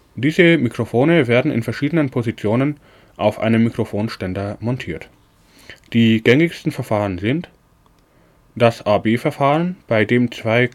Diese Mikrofone werden in verschiedenen Positionen auf einem Mikrofonständer montiert. Die gängigsten Verfahren sind: das AB-Verfahren, bei dem zwei